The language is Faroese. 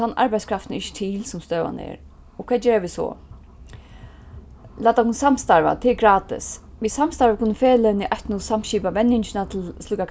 tann arbeiðskraftin er ikki til sum støðan er og hvat gera vit so lat okkum samstarva tað er gratis við samstarvi kunnu feløgini eitt nú samskipa venjingina til slíkar